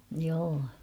joo